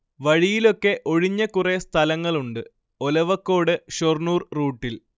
വഴിയിലൊക്കെ ഒഴിഞ്ഞ കുറേ സ്ഥലങ്ങളുണ്ട്, ഒലവക്കോട്-ഷൊർണൂർ റൂട്ടിൽ